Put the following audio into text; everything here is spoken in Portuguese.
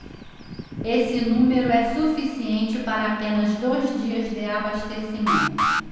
esse número é suficiente para apenas dois dias de abastecimento